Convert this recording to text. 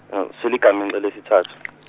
seligameng elesithathu .